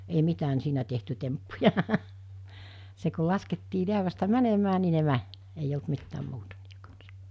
ei mitään siinä tehty temppuja se kun laskettiin läävästä menemään niin ne meni ei ollut mitään muuta niiden kanssa